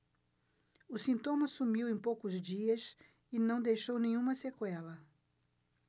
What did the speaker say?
o sintoma sumiu em poucos dias e não deixou nenhuma sequela